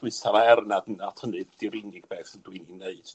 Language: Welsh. Dwi'n taro er nad nad hynny 'di'r unig beth dwi'n 'i neud.